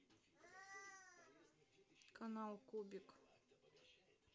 канал кубик